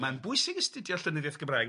ma'n bwysig astudio'r llenyddiaeth Gymraeg